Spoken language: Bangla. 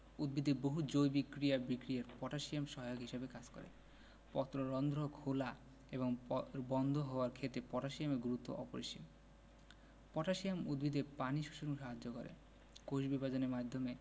উদ্ভিদের বহু জৈবিক ক্রিয়া বিক্রিয়ায় পটাশিয়াম সহায়ক হিসেবে কাজ করে পত্ররন্ধ্র খেলা এবং বন্ধ হওয়ার ক্ষেত্রে পটাশিয়ামের গুরুত্ব অপরিসীম পটাশিয়াম উদ্ভিদে পানি শোষণে সাহায্য করে কোষবিভাজনের মাধ্যমে